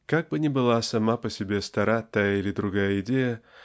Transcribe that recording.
как бы ни была сама по себе стара та или другая идея